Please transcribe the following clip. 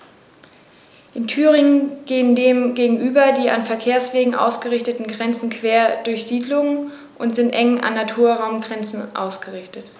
In Thüringen gehen dem gegenüber die an Verkehrswegen ausgerichteten Grenzen quer durch Siedlungen und sind eng an Naturraumgrenzen ausgerichtet.